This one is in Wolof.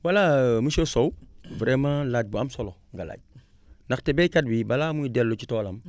voilà monsieur Sow vraiment laaj bu am solo nga laaj ndaxte baykat bi balaa muy dellu si toolam